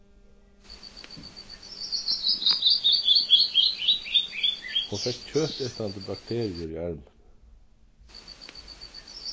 hon fekk kjøtetandi bakteriur í armin